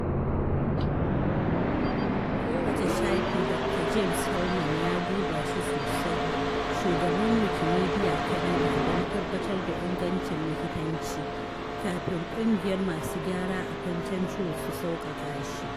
Kowace shafi Dakta James Heilman ya duba shi sosai, shugaban Wikimedia Canada, don tabbatar da ingancin likitanci, kafin ƙungiyar masu gyara a Content Rules su sauƙaƙa shi.